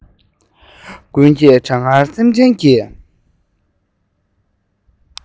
དགུན གྱི གྲང ངར སེམས ཅན གྱི